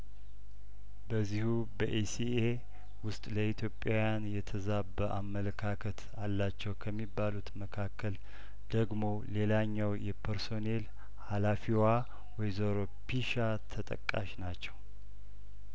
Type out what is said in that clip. በዚሁ በኢሲኤ ውስጥ ለኢትዮጵያውያን የተዛባ አመለካከት አላቸው ከሚባሉት መካከል ደግሞ ሌላኛው የፐርሶኔል ሀላፊዋ ወይዘሮ ፒሻ ተጠቃሽ ናቸው